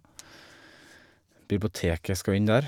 Biblioteket skal inn der.